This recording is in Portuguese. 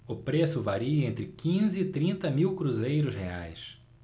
o preço varia entre quinze e trinta mil cruzeiros reais